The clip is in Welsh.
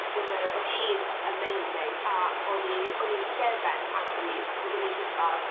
o'dd yy o'dd hi'n amazing a o'n i o'n i'n llefen ato hi 'c'os o'n i jyst fel